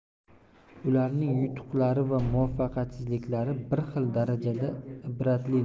ularning yutuqlari va muvaffaqiyatsizliklari bir xil darajada ibratlidir